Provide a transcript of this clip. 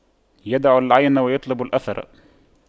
يدع العين ويطلب الأثر